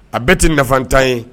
A bɛɛ ti nafantan ye.